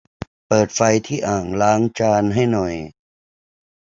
เปิดไฟที่อ่างล้างจานให้หน่อย